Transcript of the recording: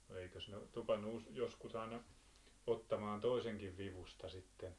no eikös ne tupannut joskus aina ottamaan toisenkin vivusta sitten